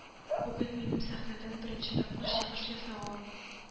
Бүген минем сәхнәдән беренче тапкыр чыгыш ясавым.